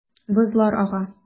Бозлар ага.